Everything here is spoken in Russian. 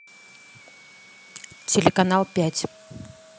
телеканал пять